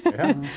ja.